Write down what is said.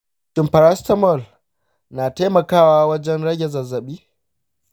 shin paracetamol na taimakawa wajen rage zazzabi?